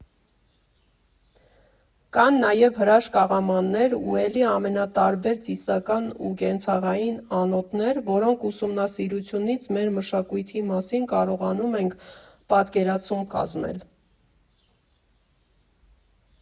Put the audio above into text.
Կան նաև հրաշք աղամաններ ու էլի ամենատարբեր ծիսական ու կենցաղային անոթներ, որոնց ուսումնասիրությունից մեր մշակույթի մասին կարողանում ենք պատկերացում կազմել։